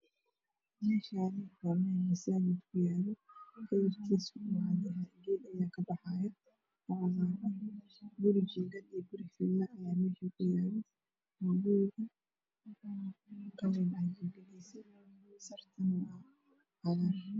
Meshaani waa meel masajid ku yalo kalarkisu uu cad yahay geed ayaa ka baxaayo oo cagaran guri jingad ah ayaa ku yala iyo guri filo ah ayaa meshan ku yalo qalin ah jingadiisa sartana waa cagaar